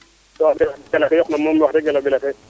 ande ke yoq na moom wax deg ɓelate